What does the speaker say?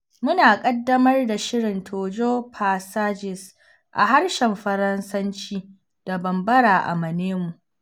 Mun ƙaddamar da shirin 'Toujours Pas Sages' a harshen Faransanci da Bambara a Manemo.